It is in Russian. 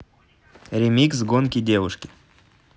ремикс гонки девушки